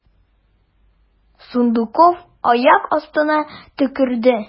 Сундуков аяк астына төкерде.